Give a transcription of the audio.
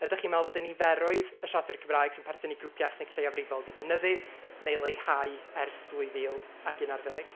Ydach chi'n meddwl bod y niferoedd y siaradwyr Cymraeg sy'n perthyn i grwpiau ethnig lleiafrifol 'di cynyddu neu leihau ers dwy fil ac unarddeg?